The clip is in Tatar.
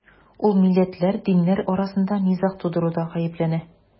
Ул милләтләр, диннәр арасында низаг тудыруда гаепләнә.